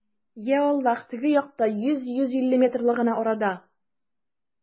Йа Аллаһ, теге якта, йөз, йөз илле метрлы гына арада!